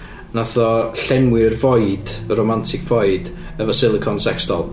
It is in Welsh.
Wnaeth o llenwi'r void, y romantic void, efo silicone sex doll.